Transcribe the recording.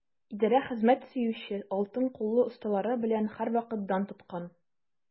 Идарә хезмәт сөюче, алтын куллы осталары белән һәрвакыт дан тоткан.